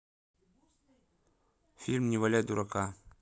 фильм не валяй дурака